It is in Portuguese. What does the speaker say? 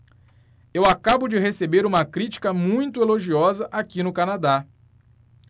eu acabo de receber uma crítica muito elogiosa aqui no canadá